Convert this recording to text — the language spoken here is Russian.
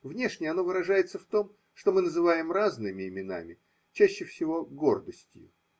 Внешне оно выражается в том, что мы называем разными именами – чаще всего гордостью.